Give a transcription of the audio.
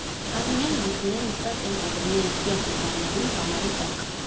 Արմինեն ու Լուսինեն նստած էին թատրոնի մուտքի աստիճաններին՝ կամարի տակ։